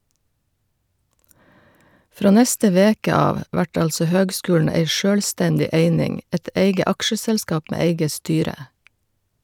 Frå neste veke av vert altså høgskulen ei sjølvstendig eining, eit eige aksjeselskap med eige styre.